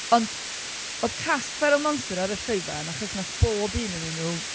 Ond, oedd cast Feral Monster ar y llwyfan, achos wnaeth bob un ohonyn nhw...